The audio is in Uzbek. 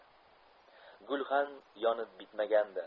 gulxan yonib bitmagandi